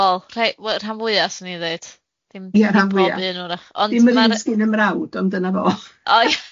Wel rhe- we- rhan fwya 'swn i'n ddeud, dim... Ia rhan fwya... dim pob un 'w'rath... Dim yr un sgin 'y mrawd ond dyna fo.